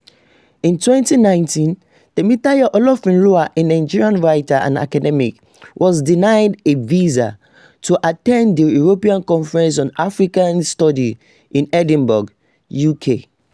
In 2019, Temitayo Olofinlua, a Nigerian writer and academic, was denied a visa to attend the European Conference on African Studies in Edinburgh, UK.